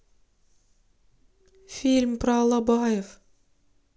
фильм про алабаев